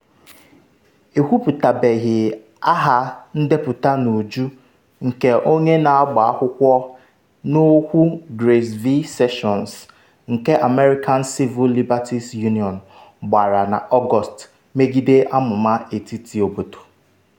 Ekwuputabeghị aha ndepụta n’uju nke onye na-agba akwụkwọ n’okwu Grace v. Sessions nke American Civil Liberties Union gbara na Ọgọst megide amụma etiti obodo.